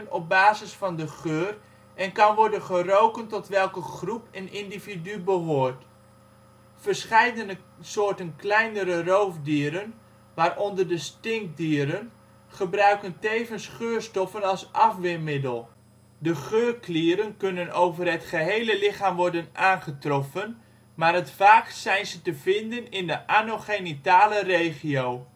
op basis van de geur en kan worden geroken tot welke groep een individu behoort. Verscheidene soorten kleinere roofdieren, waaronder de stinkdieren, gebruiken tevens geurstoffen als afweermiddel. De geurklieren kunnen over het gehele lichaam aangetroffen, maar het vaakst zijn ze te vinden in de anogenitale regio